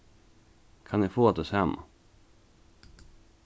kann eg fáa tað sama